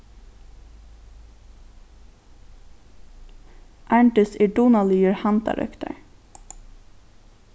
arndis er dugnaligur handarøktari